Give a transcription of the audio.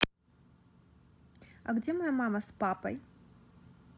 а где моя мама с папой